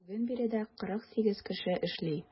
Бүген биредә 48 кеше эшли.